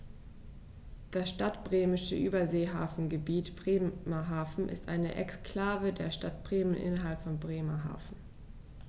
Das Stadtbremische Überseehafengebiet Bremerhaven ist eine Exklave der Stadt Bremen innerhalb von Bremerhaven.